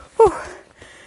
Oh.